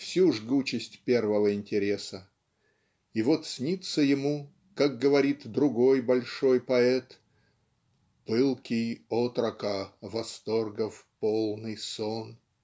всю жгучесть первого интереса. И вот снится ему как говорит другой больший поэт "пылкий отрока восторгов полный сон".